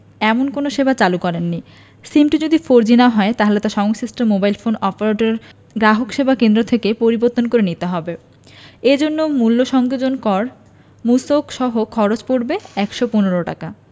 এমন কোনো সেবা চালু করেনি সিমটি যদি ফোরজি না হয় তাহলে তা সংশ্লিষ্ট মোবাইল ফোন অপারেটরের গ্রাহকসেবা কেন্দ্র থেকে পরিবর্তন করে নিতে হবে এ জন্য মূল্য সংযোজন কর মূসক সহ খরচ পড়বে ১১৫ টাকা